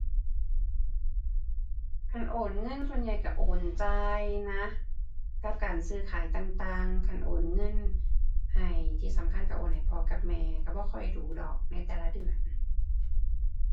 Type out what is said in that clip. คันโอนเงินส่วนใหญ่ก็โอนจ่ายนะ กับการซื้อขายต่างต่าง คันโอนเงินให้ที่สำคัญก็โอนให้พ่อกับแม่ ก็บ่ค่อยดู๋ดอก ในแต่ละเดือน